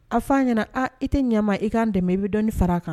A'a ɲɛna i tɛ ɲɛmaa i ka kan dɛmɛ i bɛ dɔni fara a kan